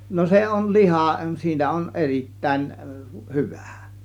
no se on liha siinä on erittäin hyvä